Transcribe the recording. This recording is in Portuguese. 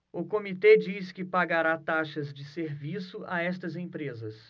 o comitê diz que pagará taxas de serviço a estas empresas